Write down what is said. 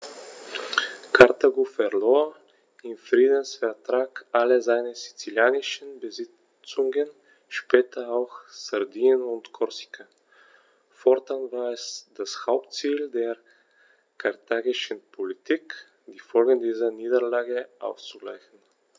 Karthago verlor im Friedensvertrag alle seine sizilischen Besitzungen (später auch Sardinien und Korsika); fortan war es das Hauptziel der karthagischen Politik, die Folgen dieser Niederlage auszugleichen.